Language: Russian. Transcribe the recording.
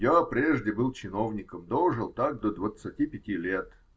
"Я прежде был чиновником, дожил так до двадцати пяти лет